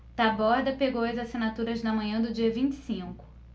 taborda pegou as assinaturas na manhã do dia vinte e cinco